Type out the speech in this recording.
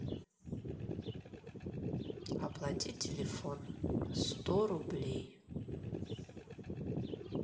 оплати телефон сто рублей